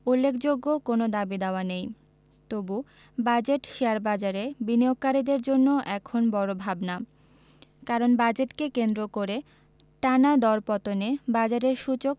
উল্লেখযোগ্য কোনো দাবিদাওয়া নেই তবু বাজেট শেয়ারবাজারে বিনিয়োগকারীদের জন্য এখন বড় ভাবনা কারণ বাজেটকে কেন্দ্র করে টানা দরপতনে বাজারের সূচক